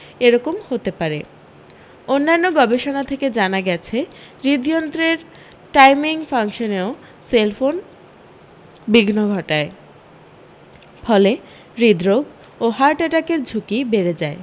এরকম হতে পারে অন্যান্য গবেষণা থেকে জানা গেছে হৃদ্যন্ত্রের টাইমিং ফাংশনেও সেলফোন বিঘ্ন ঘটায় ফলে হৃদরোগ ও হার্ট অ্যাটাকের ঝুঁকি বেড়ে যায়